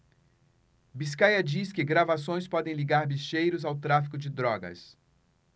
biscaia diz que gravações podem ligar bicheiros ao tráfico de drogas